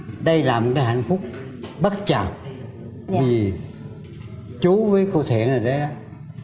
đây là một cái hạnh phúc bất chợt vì chú với cô thẹ nè đe